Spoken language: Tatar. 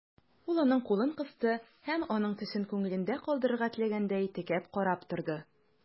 Ул аның кулын кысты һәм, аның төсен күңелендә калдырырга теләгәндәй, текәп карап торды.